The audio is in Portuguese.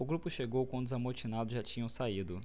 o grupo chegou quando os amotinados já tinham saído